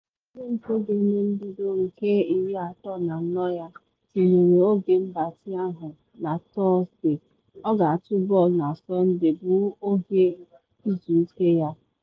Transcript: Scherzer, onye nke ga-eme mbido nke 34 ya, tinyere oge mgbatị ahụ na Tọsde, ọ ga-atụ bọọlụ na Sọnde bụ oge izu ike ya.